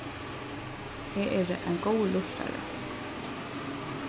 eg eri ein góður lurtari